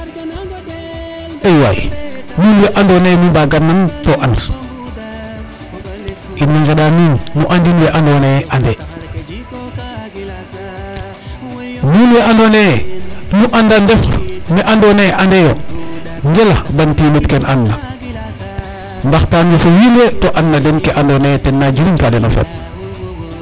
eyway nuun we ando naye nu mbaga nan to and in way ngenda nuun nu andin we ando naye ande nuun we ando naye nu ando yo ndef me ando naye ande yo ŋela ban timit ken ana mbaxatn yo fo wiin we to ana den ke ando naye tena jiriñ ka deno feet